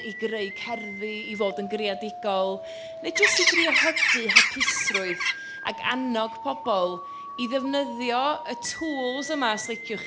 i greu cerddi, i fod yn greadigol, neu jyst i drio hybu hapusrwydd ac annog pobl i ddefnyddio y tŵls yma, os liciwch chi.